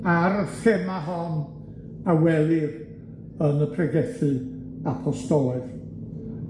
ar y thema hon a welir yn y pregethu apostolaidd.